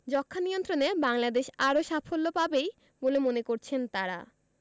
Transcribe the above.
যক্ষ্মানিয়ন্ত্রণে বাংলাদেশ আরও সাফল্য পাবেই বলে মনে করছেন তারা